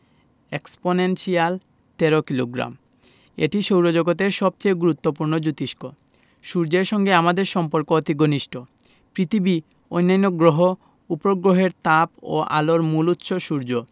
exponential ১৩ kilogram এটি সৌরজগতের সবচেয়ে গুরুত্বপূর্ণ জোতিষ্ক সূর্যের সঙ্গে আমাদের সম্পর্ক অতি ঘনিষ্ট পৃথিবী অন্যান্য গ্রহ উপগ্রহের তাপ ও আলোর মূল উৎস সূর্য